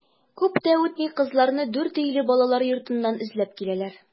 Күп тә үтми кызларны Дүртөйле балалар йортыннан эзләп киләләр.